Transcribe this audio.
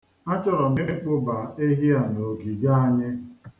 Achọrọ m ịkpụba ehi a n'ogige anyị.